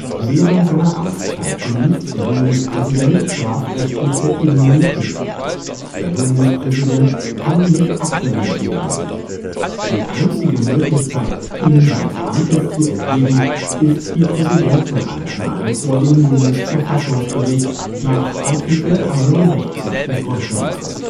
Während seiner Amtszeit genießt der Bundespräsident strafrechtliche Immunität. Der Bundespräsident kann nicht abgewählt werden. Die einzige Möglichkeit, ihn seines Amtes zu entheben, ist die Präsidentenanklage vor dem Bundesverfassungsgericht nach Artikel Art. 61 GG